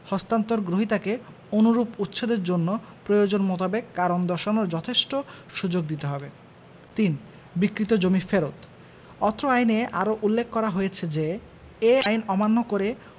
হস্তান্তর গ্রহীতাকে অনুরূপ উচ্ছেদের জন্য প্রয়োজন মোতাবেক কারণ দর্শানোর যথেষ্ট সুযোগ দিতে হবে ৩ বিক্রীত জমি ফেরত অত্র আইনে আরো উল্লেখ করা হয়েছে যে এ আইন অমান্য করে